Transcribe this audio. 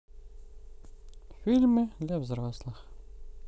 фильмы для взрослых